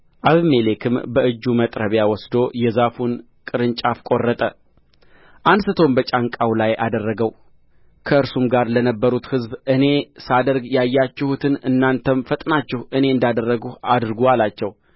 አቤሜሌክም በእጁ መጥረቢያ ወስዶ የዛፉን ቅርንጫፍ ቈረጠ አንሥቶም በጫንቃው ላይ አደረገው ከእርሱም ጋር ለነበሩት ሕዝብ እኔ ሳደርግ ያያችሁትን እናንተም ፈጥናችሁ እኔ እንዳደረግሁ አድርጉ አላቸው